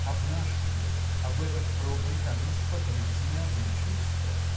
а в наш век об этот пробный камень споткнется не одно чувство.